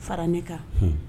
Fara ne kan